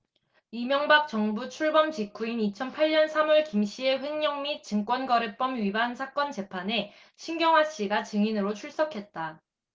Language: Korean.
이명박 정부 출범 직후인 이천 팔 년 삼 월 김씨의 횡령 및 증권거래법 위반 사건 재판에 신경화씨가 증인으로 출석했다